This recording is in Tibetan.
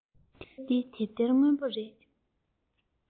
དེབ འདི དེབ ཐིར སྔོན པོ རེད